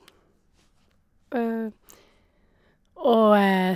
Og...